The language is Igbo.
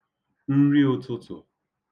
nriụ̄tụ̄tụ̀